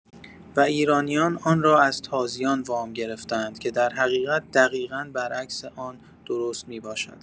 و ایرانیان آن را از تازیان وام گرفته‌اند که در حقیقت دقیقا بر عکس آن درست می‌باشد.